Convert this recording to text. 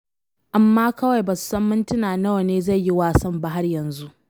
Amma kawai ba san mintina nawa ne zai yi wasan ba har yanzu.